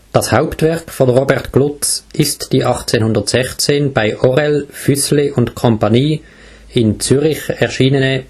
Das Hauptwerk von Robert Glutz ist die 1816 bei Orell, Füssli und Comp. in Zürich erschienene